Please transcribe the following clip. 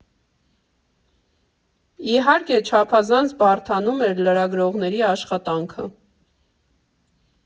Իհարկե, չափազանց բարդանում էր լրագրողների աշխատանքը։